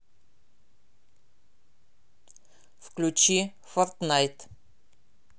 включи фортнайт